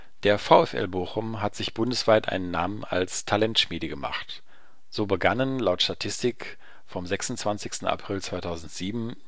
Der VfL Bochum hat sich bundesweit einen Namen als „ Talentschmiede “gemacht. So begannen die Bundesligakarrieren einiger bekannter Fußballer in Bochum (Statistik vom 26. April 2007